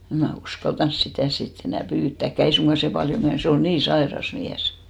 en minä uskaltanut sitä sitten enää pyytääkään ei suinkaan se paljon myös se oli niin sairas mies